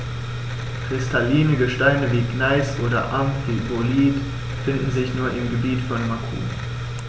Kristalline Gesteine wie Gneis oder Amphibolit finden sich nur im Gebiet von Macun.